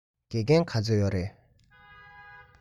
དགེ རྒན ག ཚོད ཡོད ན